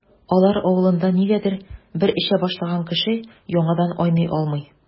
Алар авылында, нигәдер, бер эчә башлаган кеше яңадан айный алмый.